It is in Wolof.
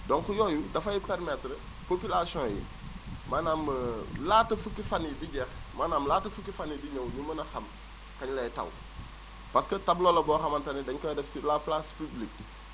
donc yooyu dafay permettre population yi maanaam laata fukki fan yi di jeex maanaam laata fukki fan yi di ñëw ñu mën a xam kañ lay taw parce que tableau la boo xamante ni dañu koy def sur la place publique